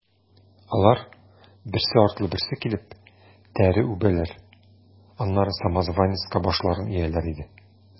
Алар, берсе артлы берсе килеп, тәре үбәләр, аннары самозванецка башларын ияләр иде.